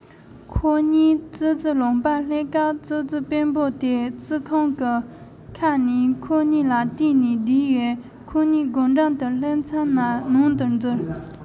ཙི ཙིའི སྦྱིན བདག དེ ལ ནི མི སེར ལྔ བཅུ ཙམ ལས མེད པས འུ ཐུག སྟེ གཡོག པོ རྙིང པ དེ ཁྲིད ནས ཙི ཙིའི ལུང པར སོང